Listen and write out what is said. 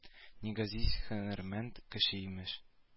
Ни газиз һөнәрмәнд кеше имеш